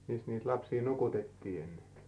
missä niitä lapsia nukutettiin ennen